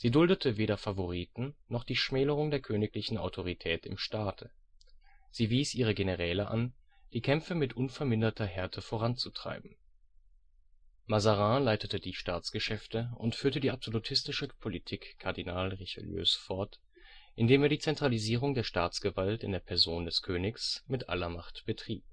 duldete weder Favoriten, noch die Schmälerung der königlichen Autorität im Staate. Sie wies ihre Generäle an, die Kämpfe mit unverminderter Härte voranzutreiben. Mazarin leitete die Staatsgeschäfte und führte die absolutistische Politik Kardinal Richelieus fort, indem er die Zentralisierung der Staatsgewalt in der Person des Königs mit aller Macht betrieb